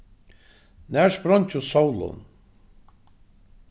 nær spreingist sólin